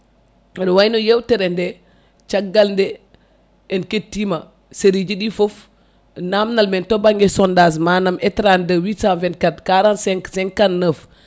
ene wayno yewtere nde caggal nde en kettima série ji ɗi foof namdal men to banggue sondage manam e 32 824 45 59